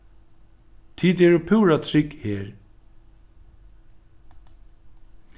tit eru púra trygg her